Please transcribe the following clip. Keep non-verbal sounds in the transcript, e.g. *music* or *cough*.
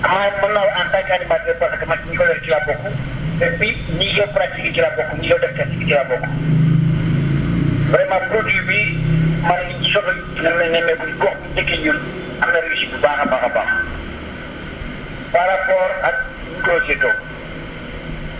ah mën naa wax en tant que animateur parce que man ñi ko yor si laa bokk *noise* et puis ñiy pratiques yi ci laa bokk ñi yor def def yi ci laa bokk *noise* vraiment produit bii maa ngi si soog a neme nemmeeku gox bi mu njëkkee ñun am na reussite *noise* bu baax a baax a baax *noise* par rapport ak ñu koy séddoo *noise*